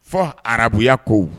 Fɔ arabuya ko